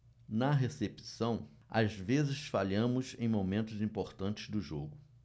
na recepção às vezes falhamos em momentos importantes do jogo